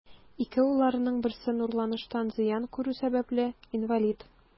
Ике улларының берсе нурланыштан зыян күрү сәбәпле, инвалид.